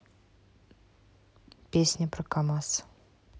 песня про камаза